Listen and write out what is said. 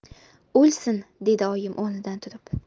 o'lsin dedi oyim o'rnidan turib